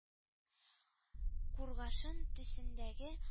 Кургашын төсендәге